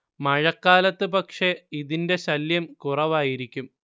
മഴക്കാലത്ത് പക്ഷേ ഇതിന്റെ ശല്യം കുറവായിരിക്കും